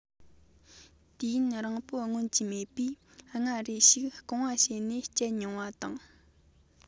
དུས ཡུན རིང པོའི སྔོན གྱི མེས པོས སྔར རེ ཞིག རྐང བ བྱས ནས སྤྱད མྱོང བ དང